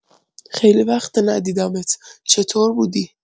خیلی وقته ندیدمت، چطور بودی؟